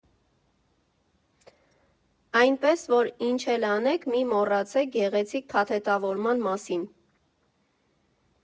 Այնպես որ՝ ինչ էլ անեք, մի մոռացեք գեղեցիկ փաթեթավորման մասին։